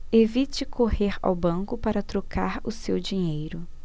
evite correr ao banco para trocar o seu dinheiro